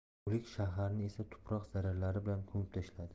o'lik shaharni esa tuproq zarralari bilan ko'mib tashladi